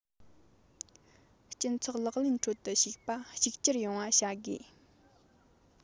སྤྱི ཚོགས ལག ལེན ཁྲོད དུ ཞུགས པ གཅིག གྱུར ཡོང བ བྱ དགོས